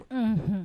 Unhun.